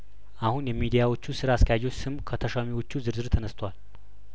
አሁን የሚዲያዎቹ ስራ አስኪያጆች ስም ከተሿሚዎች ዝርዝር ተነስቷል